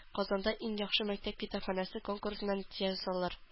Казанда “Иң яхшы мәктәп китапханәсе” конкурсына нәтиҗә ясадылар